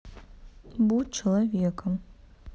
будь человеком